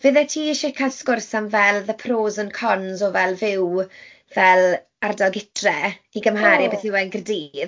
fyddet ti isie cael sgwrs am fel the pros and cons o, fel, fyw fel ardal gytre... o. ...i gymharu a beth yw e'n Gaerdydd.